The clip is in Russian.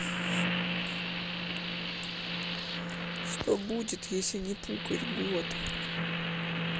что будет если не пукать год